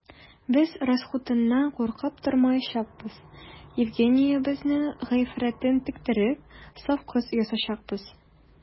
Без расхутыннан куркып тормаячакбыз: Евгениябезнең гыйффәтен тектереп, саф кыз ясаячакбыз.